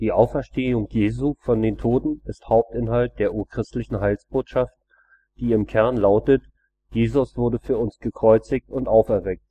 Auferstehung Jesu von den Toten ist Hauptinhalt der urchristlichen Heilsbotschaft, die im Kern lautete: Jesus wurde für uns gekreuzigt und auferweckt